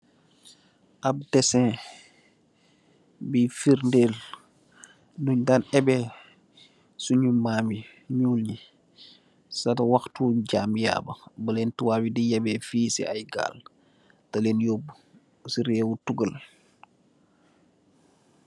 Ap dèseh bu firdel nuñ dañ ebeh sun ma'am yu ñuul yi sa waxtu jàam ya ngi balen tubab yi di ebeh fii ci ay gàl dallen yobu ci rewu tugal.